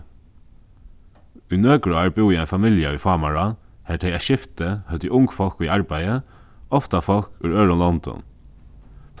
í nøkur ár búði ein familja í fámará har tey eitt skifti høvdu ung fólk í arbeiði ofta fólk úr øðrum londum